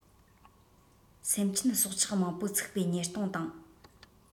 སེམས ཅན སྲོག ཆགས མང པོ འཚིགས པའི ཉེས ལྟུང དང